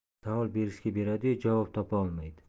savol berishga beradi yu javob topa olmaydi